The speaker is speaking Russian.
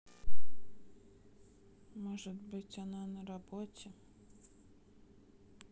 может быть она на работе